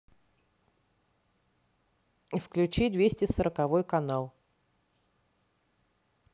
включи двести сороковой канал